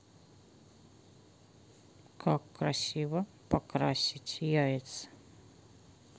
как красиво покрасить яйца